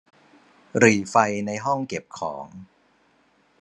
หรี่ไฟในห้องเก็บของ